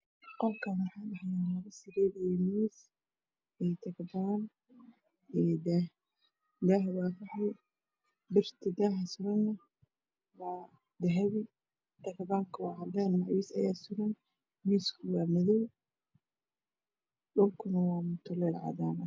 Kani waa qol waxaa yala takaban iyo miis iyo dah daha waa qaxwi birta daha suran waa dahabi takabanka waa cadan misku waa madow dhulkuna waa mutulen cadan ah